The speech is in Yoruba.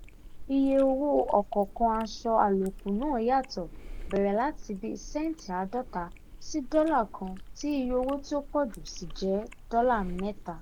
Iye owó ọ̀kọ̀ọ̀kan aṣọ àlòkù náà yàtọ̀ bẹ̀rẹ̀ láti bíi sẹ́ǹtì 50 àti $1 tí iye owó tí ó pọ̀ jù sì jẹ́ $3.